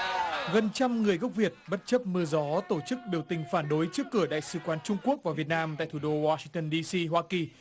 gần trăm người gốc việt bất chấp mưa gió tổ chức biểu tình phản đối trước cửa đại sứ quán trung quốc vào việt nam tại thủ đô goa xinh tơn đi xi hoa kỳ